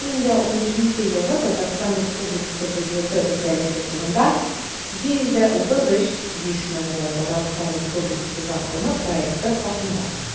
«2015 елгы татарстан республикасы бюджеты үтәлеше турында» 233-5 номерлы татарстан республикасы законы проекты хакында